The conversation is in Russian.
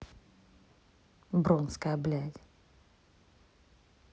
бронкская блядь